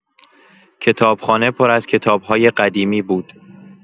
کتابخانه پر از کتاب‌های قدیمی بود.